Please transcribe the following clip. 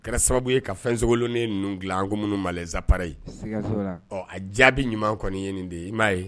Kɛra sababu ye ka fɛnsogolonnen ninnu bila anum masaapra ye a jaabi ɲuman kɔni ye nin de ye i m'a ye